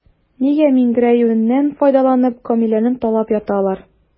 Нигә миңгерәюеннән файдаланып, Камиләне талап ята алар?